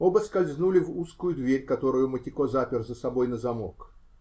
Оба скользнули в узкую дверь, которую Матико запер за собой на замок.